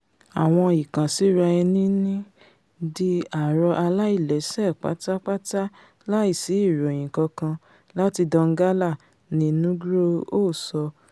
Àwọn ìkànsíra-ẹni ni ''di àrọ aláìlẹ́sẹ̀ pátápátá láìsì ìròyìn kankan'' láti Donggala, ni Nugroho sọ.